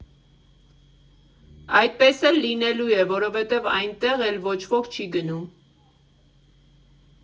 Այդպես էլ լինելու է, որովհետև այնտեղ էլ ոչ ոք չի գնում։